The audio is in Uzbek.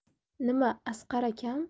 nima asqar akam